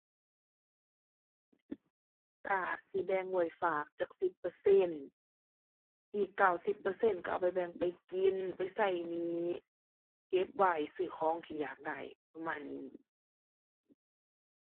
ก็อาจสิแบ่งไว้ฝากจักสิบเปอร์เซ็นต์ อีกเก้าสิบเปอร์เซ็นต์ก็เอาไปแบ่ง ไปกิน ไปก็หนี้ เก็บไว้ซื้อของที่อยากได้ประมาณนี้